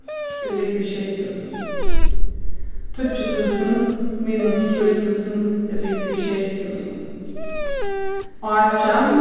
er ligvið sjey túsund tíggju túsund minus trý túsund er ligvið sjey túsund átjan